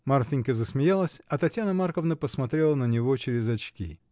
Марфинька засмеялась, а Татьяна Марковна посмотрела на него через очки.